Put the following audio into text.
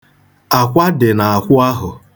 Akwa dị n'akwụ ahụ.